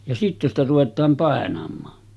ja sitten sitä ruvetaan painamaan